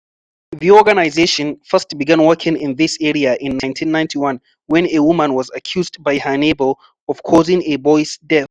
The organisation first began working in this area in 1991 when a woman was accused by her neighbour of causing a boy’s death.